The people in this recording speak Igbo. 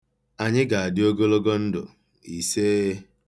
Anyị ga-adị ogologo ndụ, isee!